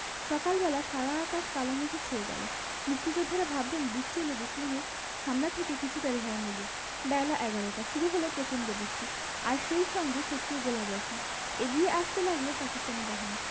সকাল বেলা সারা আকাশ কালো মেঘে ছেয়ে গেল মুক্তিযোদ্ধারা ভাবলেন বৃষ্টি এলে দুশমনের হামলা থেকে কিছুটা রেহাই মিলবে বেলা এগারোটা শুরু হলো প্রচণ্ড বৃষ্টি আর সেই সঙ্গে শত্রুর গোলাবর্ষণ এগিয়ে আসতে লাগল পাকিস্তানি বাহিনী